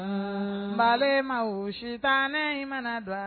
Aaaan balemaw sitanɛ in mana do a